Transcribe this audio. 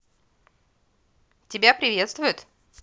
тебя приветствует